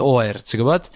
oer ti gwbod?